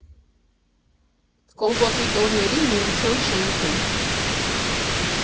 Կոմպոզիտորների միության շենքում։